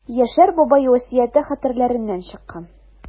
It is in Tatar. Яшәр бабай васыяте хәтерләреннән чыккан.